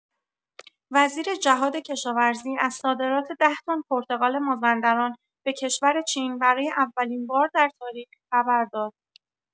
وزیر جهادکشاورزی از صادرات ۱۰ تن پرتقال مازندران به کشور چین برای اولین بار در تاریخ خبر داد.